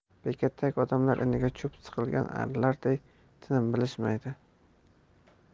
bekatdagi odamlar iniga cho'p suqilgan arilarday tinim bilishmaydi